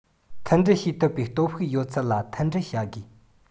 མཐུན སྒྲིལ བྱེད ཐུབ པའི སྟོབས ཤུགས ཡོད ཚད ལ མཐུན སྒྲིལ བྱ དགོས